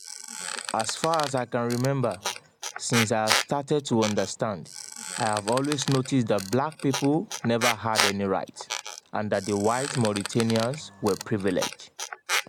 As far as I can remember, since I have started to understand, I have always noticed that black people never had any rights, and that the white Mauritanians were privileged.